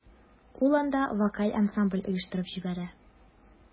Ул анда вокаль ансамбль оештырып җибәрә.